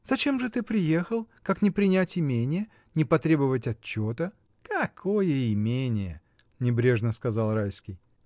Зачем же ты приехал, как не принять имение, не потребовать отчета?. — Какое имение! — небрежно сказал Райский.